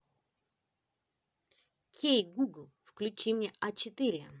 кей гугл включи мне а четыре